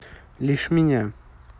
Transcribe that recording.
лишь меня